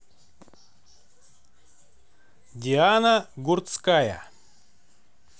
диана гурцкая